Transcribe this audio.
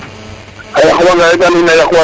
a yaq wana itam ina yaq wanu